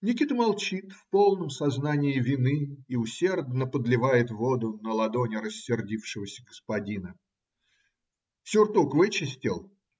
Никита молчит в полном сознании вины и усердно подливает воду на ладони рассердившегося господина. - Сюртук вычистил?